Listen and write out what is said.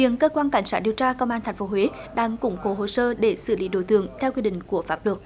hiện cơ quan cảnh sát điều tra công an thành phố huế đang củng cố hồ sơ để xử lý đối tượng theo quy định của pháp luật